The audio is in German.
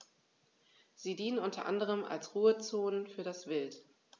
Sie dienen unter anderem als Ruhezonen für das Wild.